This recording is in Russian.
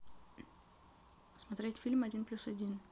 смотреть фильм один плюс один